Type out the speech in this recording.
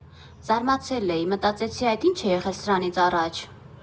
«Զարմացել էի, մտածեցի՝ այդ ի՞նչ է եղել սրանից առաջ…